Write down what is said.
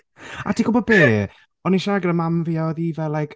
A ti'n gwybod be? O'n i'n siarad gyda Mam fi a oedd hi fel like...